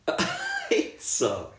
eto?